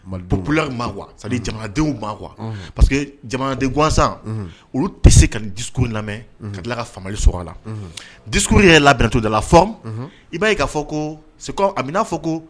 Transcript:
Populaire ma quoi jamanadenw ma quoi parce que jamanaden gansan, anhan, olu tɛ se ka discours lamɛn, unhun, ka tila ka faamuyali sɔrɔ a la, unhun, discours yɛrɛ labɛntɔ dans la forme unhun, i b'a ye ka fɔ ko c'est comme a bɛ n'a fɔ ko